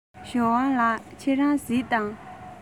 ཞའོ ཝང ལགས ཁྱེད རང གཟིགས དང